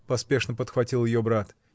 -- поспешно подхватил ее брат.